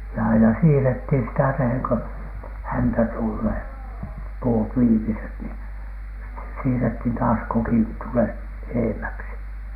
ja aina siirrettiin sitä tehden kun häntä tulee puut viimeiset niin sitten siirrettiin taas kokin tulet edemmäksi